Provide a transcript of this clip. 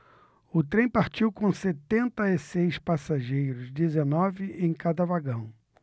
o trem partiu com setenta e seis passageiros dezenove em cada vagão